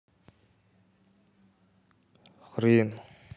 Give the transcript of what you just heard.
хрен